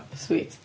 Sweet.